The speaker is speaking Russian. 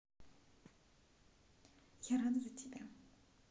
я рада тебя